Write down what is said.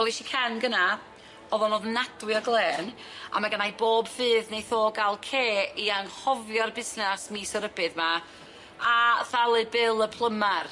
Welish i Ken gynna, o'dd o'n ofnadwy o glên a ma' gynnai bob fydd neith o ga'l Kay i anghofio'r busnas mis o rybydd ma' a thalu bil y plymar.